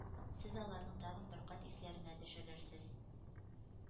Сез аларның тагын бер кат исләренә төшерерсез.